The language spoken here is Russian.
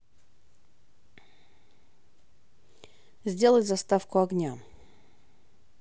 сделай заставку огня